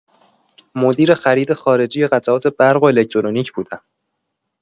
مدیر خرید خارجی قطعات برق و الکترونیک بودم.